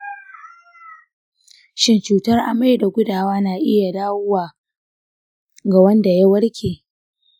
shin cutar amai da gudawa na iya dawowa ga wanda ya warke?